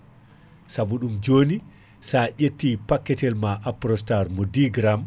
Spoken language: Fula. saabu ɗum joni sa ƴetti paquet tel Aprostar ma mo 10G